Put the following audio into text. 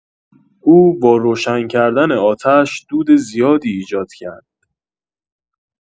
او با روشن کردن آتش، دود زیادی ایجاد کرد.